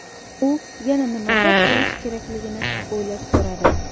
u yana nimadir deyish kerakligini o'ylab so'radi